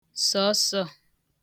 sọ̀ọsọ